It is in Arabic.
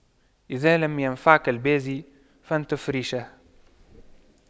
إذا لم ينفعك البازي فانتف ريشه